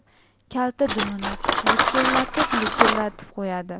kalta dumini likillatib likillatib qo'yadi